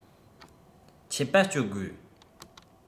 ཆད པ གཅོད དགོས